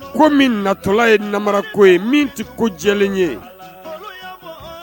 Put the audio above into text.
Ko min natɔla ye nara ko ye min tɛ ko jɛlen ye